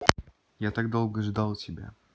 я так долго ждал тебя